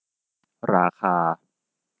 ราคา